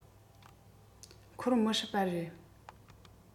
འཁོར མི སྲིད པ རེད